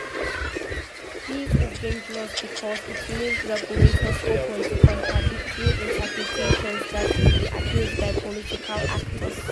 This is dangerous because it leaves regulators open to contradictory interpretations that could be abused by political actors.